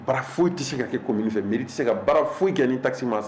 Bara foyi tɛ se ka kɛ co min fɛ mariri tɛ se ka bara foyi kɛ ni tasi mansa sa